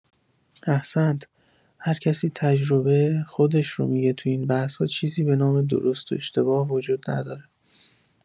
احسنت، هر کسی تجربه خودش رو می‌گه تو این بحث‌ها چیزی بنام درست و اشتباه وجود نداره